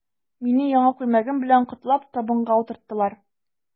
Мине, яңа күлмәгем белән котлап, табынга утырттылар.